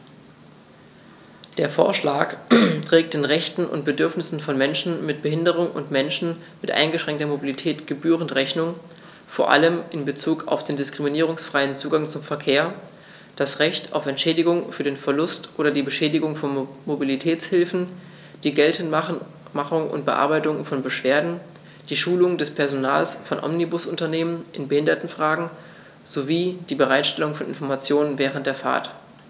Der Vorschlag trägt den Rechten und Bedürfnissen von Menschen mit Behinderung und Menschen mit eingeschränkter Mobilität gebührend Rechnung, vor allem in Bezug auf den diskriminierungsfreien Zugang zum Verkehr, das Recht auf Entschädigung für den Verlust oder die Beschädigung von Mobilitätshilfen, die Geltendmachung und Bearbeitung von Beschwerden, die Schulung des Personals von Omnibusunternehmen in Behindertenfragen sowie die Bereitstellung von Informationen während der Fahrt.